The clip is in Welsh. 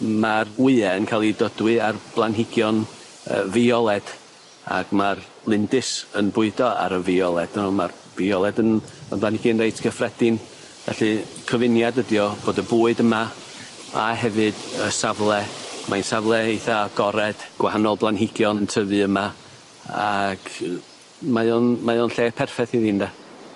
Ma'r wye yn ca'l 'u dodwy ar blanhigion yy fioled ag ma'r lindys yn bwydo ar y fioled nawr ma'r fioled yn yn blanigyn reit gyffredin felly cyfuniad ydi o bod y bwyd yma a hefyd y safle mae'n safle eitha agored gwahanol blanhigion 'n tyfu yma ag yy mae o'n mae o'n lle perffeth iddi ynde?